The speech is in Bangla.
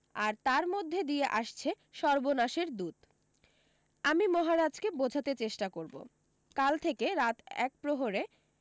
আর তার মধ্যে দিয়ে আসছে সর্বনাশের দূত আমি মহারাজকে বোঝাতে চেষ্টা করবো কাল থেকে রাত এক প্রহরে